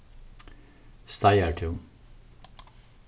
steigartún